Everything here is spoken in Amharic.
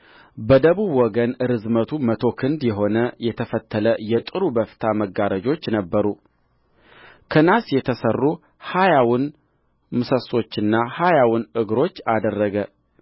በደቡብ ወገን ርዝመቱ መቶ ክንድ የሆነ የተፈተለ የጥሩ በፍታ መጋረጆች ነበሩ ከናስ የተሠሩ ሀያውን ምሰሶችና ሀያውን እግሮች አደረገ